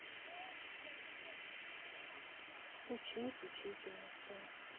учить учительницей